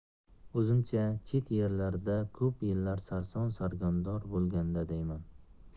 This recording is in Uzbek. o'zimcha chet yerlarda ko'p yillar sarson sargardon bo'lganda deyman